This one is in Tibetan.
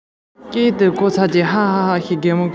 བཀྲ བཟང གད མོ ཤོར སོང